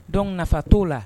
Don nafa t' la